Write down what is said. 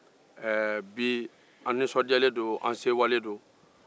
bi an nisɔndiyalen don an sewalen don